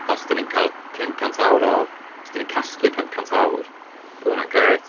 Os dan ni'n cael pum cant awr o os dan ni'n casglu pum cant awr, bydd hwnna'n grêt